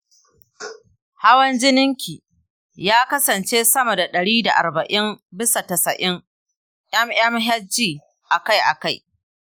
hawan jininki ya kasance sama da 140/90 mmhg akai-akai.